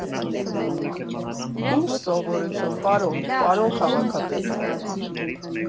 ֊ Ի՞նչ սովորություն, պարոն, պարոն քաղաքապետ…